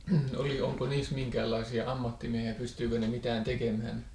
- onko niissä minkäänlaisia ammattimiehiä pystyikö ne mitään tekemään